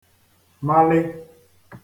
malị